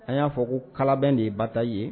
An y'a fɔ ko kalabɛn de ye bata ye